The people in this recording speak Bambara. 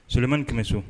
Solima kɛmɛ so